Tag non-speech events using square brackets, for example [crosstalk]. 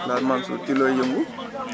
el Hadj Mansour [crosstalk] ci looy yëngu [crosstalk]